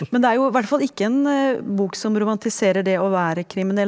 men det er jo hvert fall ikke en bok som romantiserer det å være kriminell.